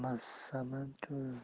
holda yonimda ot choptirsa mador bo'ladi